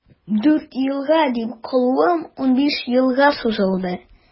Дүрт елга дип калуым унбиш елга сузылды.